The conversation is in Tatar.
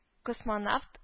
Космонавт